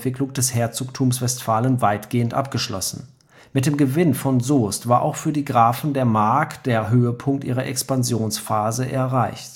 des „ Herzogtums Westfalen “weitgehend abgeschlossen. Mit dem Gewinn von Soest war auch für die Grafen der Mark der Höhepunkt ihrer Expansionsphase erreicht